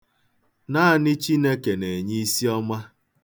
Naanị Chineke na-enye isiọma.